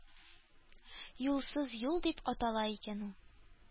«юлсыз юл» дип атала икән ул.